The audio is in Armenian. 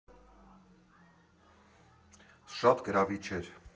Շատ գրավիչ էր։